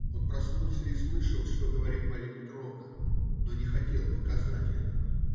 Он проснулся и слышал, что говорит Марья Петровна, но не хотел показать этого.